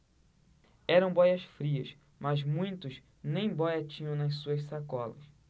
eram bóias-frias mas muitos nem bóia tinham nas suas sacolas